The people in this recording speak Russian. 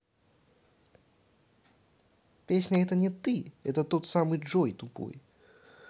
песня это не ты это тот самый джой тупой